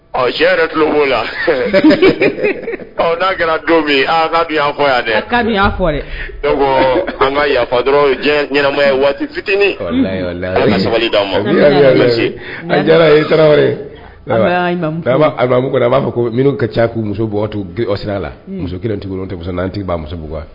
Ɔ sɛ yɛrɛ tulo la ɔ n'a kɛra don min fɔ yan dɛ an ka yafafa dɔrɔn ɲɛnama waati fitinin sabali' a b'a fɔ ko minnu ka ca k'u muso sira a la muso kelentigiw tɛ fisa n' tigi' muso kuwa